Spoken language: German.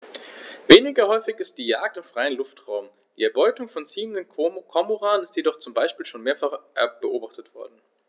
Weniger häufig ist die Jagd im freien Luftraum; die Erbeutung von ziehenden Kormoranen ist jedoch zum Beispiel schon mehrfach beobachtet worden.